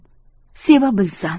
seva bilsam